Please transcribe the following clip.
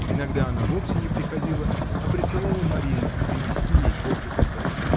Иногда она вовсе не приходила, а присылала Марину принести ей кофе туда.